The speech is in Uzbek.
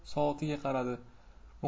soatiga qaradi